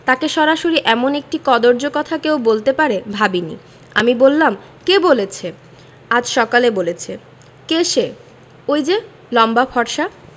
তাকে সরাসরি এমন একটি কদৰ্য কথা কেউ বলতে পারে ভাবিনি আমি বললাম কে বলেছে আজ সকালে বলেছে কে সে ঐ যে লম্বা ফর্সা